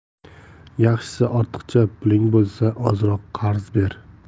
yaxshisi ortiqcha puling bo'lsa ozroq qarz ber